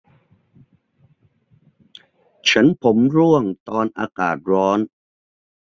ฉันผมร่วงตอนอากาศร้อน